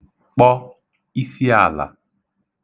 kpọ isiàlà